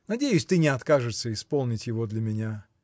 – Надеюсь, ты не откажешься исполнить его для меня.